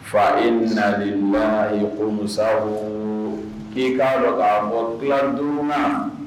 Fa e nali ma ye kolosa k'i k'a dɔn ka mɔgɔ dilad na